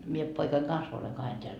minä poikani kanssa olen kahden täällä